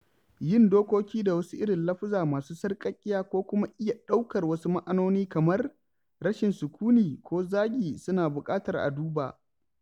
Yin dokoki da wasu irin lafuza masu sarƙaƙiya ko kuma iya ɗaukar wasu ma'anoni kamar "rashin sukuni" ko "zagi" suna buƙatar a duba.